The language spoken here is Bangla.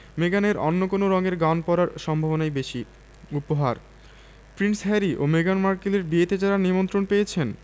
মেগানের অন্য কোন রঙের গাউন পরার সম্ভাবনাই বেশি উপহার প্রিন্স হ্যারি ও মেগান মার্কেলের বিয়েতে যাঁরা নিমন্ত্রণ পেয়েছেন